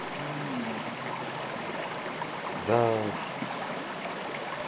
да уж